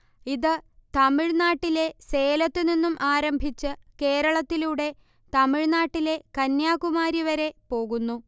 ഇത് തമിഴ് നാട്ടിലെ സേലത്തുനിന്നും ആരംഭിച്ച് കേരളത്തിലൂടെ തമിഴ് നാട്ടിലെ കന്യാകുമാരി വരെ പോകുന്നു